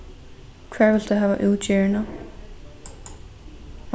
hvar vilt tú hava útgerðina